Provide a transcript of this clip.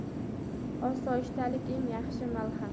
osoyishtalik eng yaxshi malham